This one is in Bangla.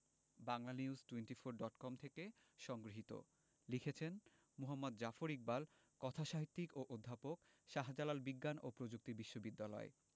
বাংলানিউজ টোয়েন্টিফোর ডট কম থেকে সংগৃহীত লিখেছেন মুহাম্মদ জাফর ইকবাল কথাসাহিত্যিক ও অধ্যাপক শাহজালাল বিজ্ঞান ও প্রযুক্তি বিশ্ববিদ্যালয়